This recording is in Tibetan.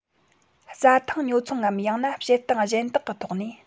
རྩྭ ཐང ཉོ ཚོང ངམ ཡང ན བྱེད སྟངས གཞན དག གི ཐོག ནས